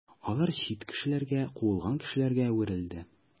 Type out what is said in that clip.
Алар чит кешеләргә, куылган кешеләргә әверелде.